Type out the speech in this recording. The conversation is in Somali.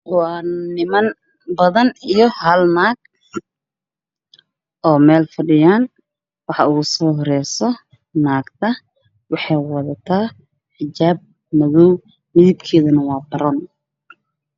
Halkaan waxaa ka muuqdo rag iyo gabar gabadha ayaa ugu horayso waxayna qabtaa hijaab buluug kuraasta waa qaxwi